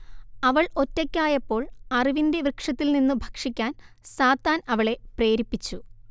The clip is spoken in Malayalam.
അവൾ ഒറ്റയ്ക്കായപ്പോൾ അറിവിന്റെ വൃക്ഷത്തിൽ നിന്നു ഭക്ഷിക്കാൻ സാത്താൻ അവളെ പ്രേരിപ്പിച്ചു